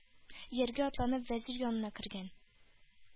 Ияргә атланып, вәзир янына кергән.